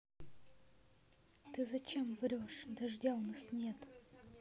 ты зачем врешь дождя у нас нет